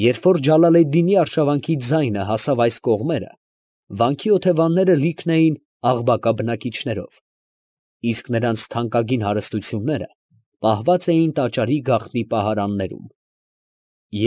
Երբ որ Ջալալեդդինի արշավանքի ձայնը հասավ այս կողմերը, վանքի օթևանները լիքն էին Աղբակա բնակիչներով, իսկ նրանց թանկագին հարստությունները պահված էին տաճարի գաղտնի պահարաններում։